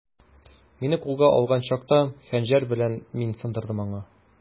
Мине кулга алган чакта, хәнҗәр белән мин сыдырдым аңа.